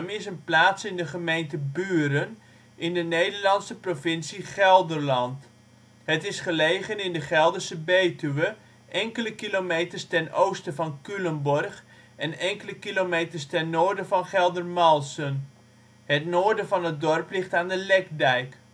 is een plaats in de gemeente Buren in de Nederlandse provincie Gelderland. Het is gelegen in de Gelderse Betuwe, enkele kilometers ten oosten van Culemborg en enkele kilometers ten noorden van Geldermalsen. Het noorden van het dorp ligt aan de Lekdijk